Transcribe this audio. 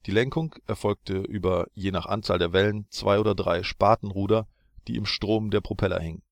Lenkung erfolgte über je nach Anzahl der Wellen zwei oder drei Spatenruder die im Strom der Propeller hingen. In